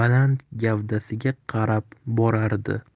baland gavdasiga qarab borardi